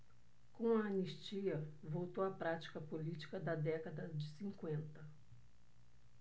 com a anistia voltou a prática política da década de cinquenta